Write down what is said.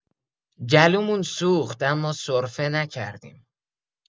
گلومون سوخت اما سرفه نکردیم.